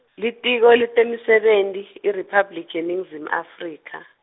Litiko leteMisebenti, IRiphabliki yeNingizimu Afrika.